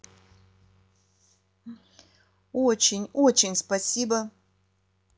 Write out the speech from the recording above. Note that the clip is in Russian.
очень очень спасибо